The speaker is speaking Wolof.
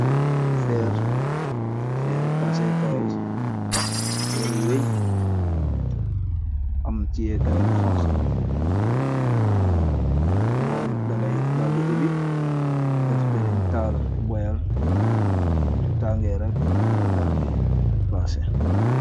Feer. feeru weeñ am ciyeekaay bu xonka moom dangay dal di ibbi def girin taal boyal su tàngeerag nga dal di placé.